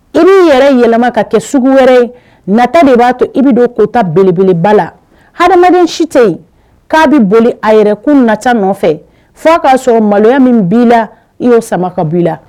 I b'i yɛrɛ yɛlɛma ka kɛ sugu wɛrɛ ye nata de b'a to i bi do kota belebeleba la hadamaden si te ye k'a bi boli a yɛrɛkun nata nɔfɛ fɔ a k'a sɔrɔ maloya min b'i la i y'o sama ka bo i la